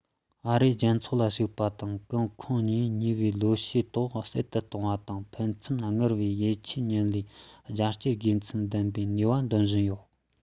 ཨ རིའི རྒྱལ ཚོགས ལ ཞུགས པའི དང ཀུན ཁང གཉིས ཉེ བའི ལོ ཤས རིང ཀྲུང ཨའི ཤེས རྟོགས ཟབ ཏུ གཏོང བ དང ཕན ཚུན སྔར བས ཡིད ཆེས མཉམ ལས རྒྱ སྐྱེད དགེ མཚན ལྡན པའི ནུས པ འདོན བཞིན ཡོད